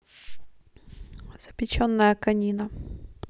запеченная конина